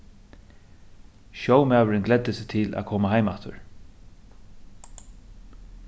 sjómaðurin gleddi seg til at koma heim aftur